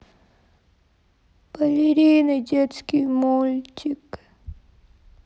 балерины детский мультик